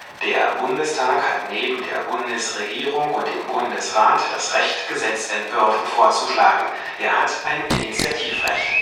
Der Bundestag hat neben der Bundesregierung und dem Bundesrat das Recht, Gesetzentwürfe vorzuschlagen: Er hat ein (Initiativrecht